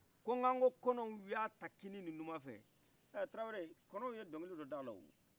kokanko kɔnɔw ya ta kini ni noumanfɛ ɛ tarawore kɔnow ye donkili d d' ala o